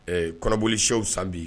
Ɛɛ kɔnɔoli cɛww san bi yen